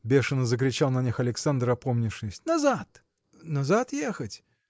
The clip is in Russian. – бешено закричал на них Александр, опомнившись. – Назад! – Назад ехать?